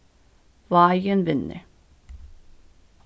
vágin vinnur